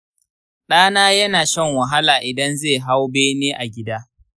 ɗana yana shan wahala idan ze hau bene a gida